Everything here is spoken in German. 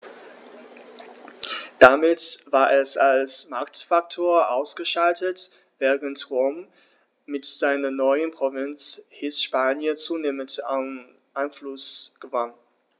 Damit war es als Machtfaktor ausgeschaltet, während Rom mit seiner neuen Provinz Hispanien zunehmend an Einfluss gewann.